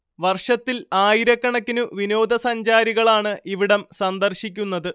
വർഷത്തിൽ ആയിരക്കണക്കിനു വിനോദസഞ്ചാരികളാണ് ഇവിടം സന്ദർശിക്കുന്നത്